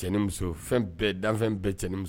Cɛ n imuso ,fɛn bɛɛ danfɛn bɛɛ cɛ ni muso